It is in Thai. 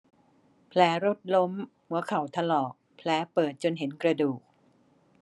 แผลรถล้มหัวเข่าถลอกแผลเปิดจนเห็นกระดูก